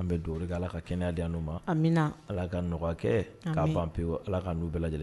An bɛ donri kɛ ala ka kɛnɛyaya di n ma anmina ala ka nɔgɔya kɛ k'a panan pewu ala ka n'u bɛɛ lajɛlen